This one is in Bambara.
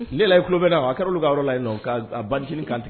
Ne lahi tulo bɛna a kɛra olulu ka yɔrɔ la yen nɔ ba kantigɛ